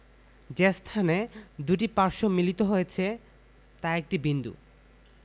যে স্থানে দুইটি পার্শ্ব মিলিত হয়েছে তা একটি বিন্দু